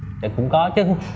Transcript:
thì cũng có chứ